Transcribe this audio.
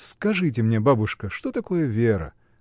— Скажите мне, бабушка, что такое Вера?